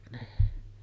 niin